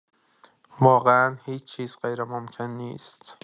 واقعا هیچ‌چیز غیرممکن نیست